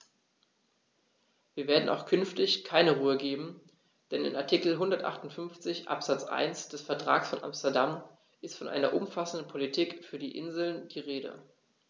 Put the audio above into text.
Wir werden auch künftig keine Ruhe geben, denn in Artikel 158 Absatz 1 des Vertrages von Amsterdam ist von einer umfassenden Politik für die Inseln die Rede.